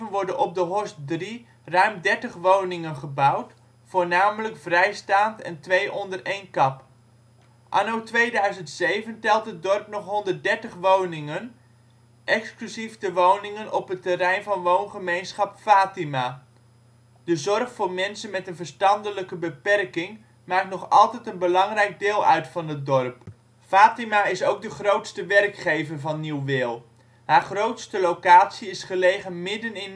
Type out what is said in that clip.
wordt op de Horst 3 ruim 30 woningen gebouwd, voornamelijk vrijstaand en twee-onder-een-kap. Anno 2007 telt het dorp nog 130 woningen, exclusief de woningen op het terrein van woongemeenschap Fatima. De zorg voor mensen met een verstandelijke beperking maakt nog altijd een belangrijk deel uit van het dorp. Fatima is ook de grootste werkgever van Nieuw-Wehl. Haar grootste locatie is gelegen midden in